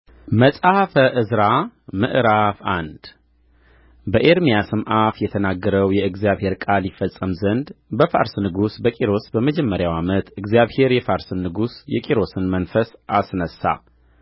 መጽሐፈ ዕዝራ ምዕራፍ አንድ በኤርምያስም አፍ የተናገረው የእግዚአብሔር ቃል ይፈጸም ዘንድ በፋርስ ንጉሥ በቂሮስ በመጀመሪያው ዓመት እግዚአብሔር የፋርስን ንጉሥ የቂሮስን መንፈስ አስነሣ